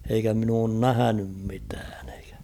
eikä minä ole nähnyt mitään eikä